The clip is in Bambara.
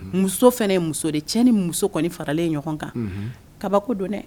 Muso fana ye muso de cɛ ni muso kɔni faralen ye ɲɔgɔn kan kabako don dɛ